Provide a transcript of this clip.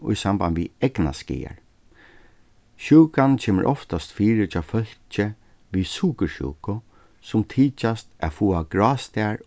í samband við eygnaskaðar sjúkan kemur oftast fyri hjá fólki við sukursjúku sum tykjast at fáa grástar